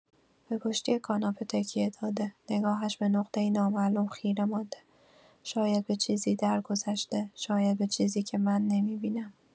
به پشتی کاناپه تکیه داده، نگاهش به نقطه‌ای نامعلوم خیره مانده، شاید به چیزی درگذشته، شاید به چیزی که من نمی‌بینم.